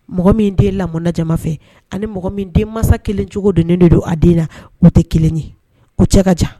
Mɔgɔ min den lamɔja fɛ ani mɔgɔ min den mansa kelen cogo don de don a den na u tɛ kelen ye u cɛ ka ca